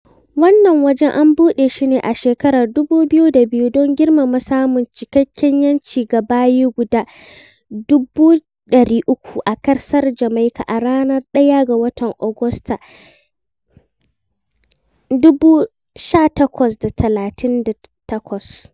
Wannan waje an buɗe shi ne a shekarar 2002 don girmama samun "cikakken 'yanci" ga bayi guda 300,000 a ƙasar Jamaika a ranar I ga watan Agusta, 1838.